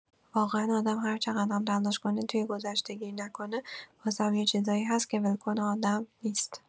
واقعا، آدم هرچقدر هم تلاش کنه توی گذشته گیر نکنه، بازم یه چیزایی هست که ول‌کن آدم نیست.